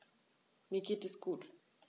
Mir geht es gut.